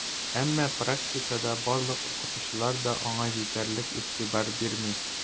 Әмма практикада барлык укытучылар да аңа җитәрлек игътибар бирми: